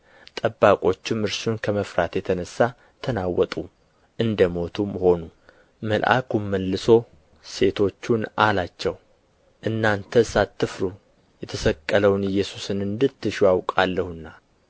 ጠባቆቹም እርሱን ከመፍራት የተነሣ ተናወጡ እንደ ሞቱም ሆኑ መልአኩም መልሶ ሴቶቹን አላቸው እናንተስ አትፍሩ የተሰቀለውን ኢየሱስን እንድትሹ አውቃለሁና